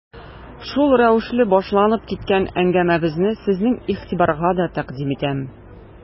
Шул рәвешле башланып киткән әңгәмәбезне сезнең игътибарга да тәкъдим итәм.